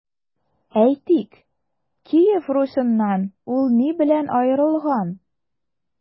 Әйтик, Киев Русеннан ул ни белән аерылган?